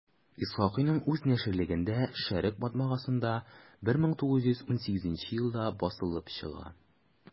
Исхакыйның үз наширлегендә «Шәрекъ» матбагасында 1918 елда басылып чыга.